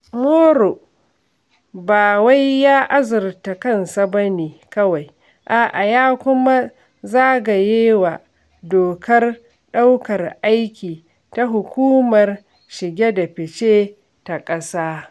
Moro ba wai ya azurta kansa bane kawai, a'a ya kuma zagayewa dokar ɗaukar aiki ta Hukumar Shige da fice ta ƙasa.